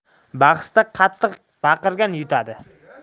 bahsda qattiq baqirgan yutadi